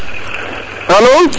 alo